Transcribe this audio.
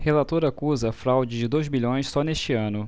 relator acusa fraude de dois bilhões só neste ano